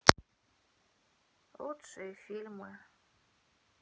лучшие фильмы